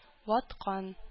Ваткан